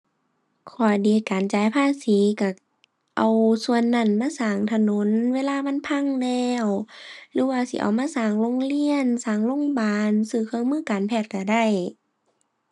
ข้อดีการจ่ายภาษีก็ เอาส่วนนั้นมาสร้างถนนเวลามันพังแล้ว หรือว่าสิเอามาสร้างโรงเรียน สร้างโรงบาล ซื้อเครื่องมือการแพทย์ก็ได้